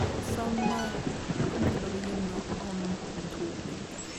Som kommer til å begynne om to uker.